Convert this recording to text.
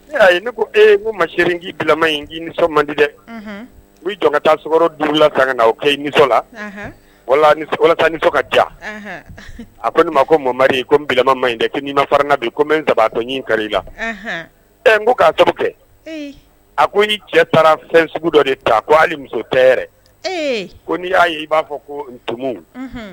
Ko e ma sei nisɔn mandi dɛ u jɔn ka taa sumaworo dugu la tan o ke i nisɔn la wala tan ni fɔ ka ja a ko ne ma ko mamari ko n bila ma in dɛ'i ma fara de ko n saba tɔ kari i la ɛɛ ko k'a to kɛ a ko n cɛ taara fɛn sugu dɔ de ta ko hali muso tɛ yɛrɛ ko n' y'a i b'a fɔ ko